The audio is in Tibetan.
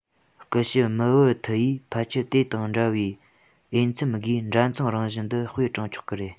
སྐུ ཞབས མི ཝར ཐི ཡིས ཕལ ཆེར དེ དང འདྲ བར འོས འཚམ སྒོས འདྲ མཚུངས རང བཞིན འདི དཔེར དྲངས ཆོག གི རེད